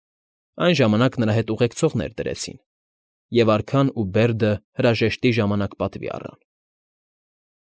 Այն ժամանակ նրա հետ ուղեկցողներ դրեցին, և արքան ու Բերդը հրաժեշտի ժամանակ պատվի առան։